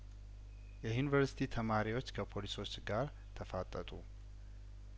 የዩኒቨርስቲ ተማሪዎች ከፖሊሶች ጋር ተፋጠጡ